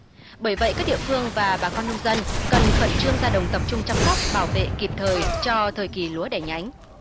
bởi vậy các địa phương và bà con nông dân cần khẩn trương ra đồng tập trung chăm sóc bảo vệ kịp thời cho thời kỳ lúa đẻ nhánh